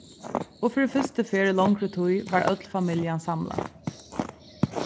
og fyri fyrstu ferð í longri tíð var øll familjan samlað